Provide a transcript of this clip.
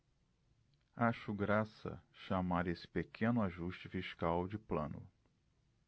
acho graça chamar esse pequeno ajuste fiscal de plano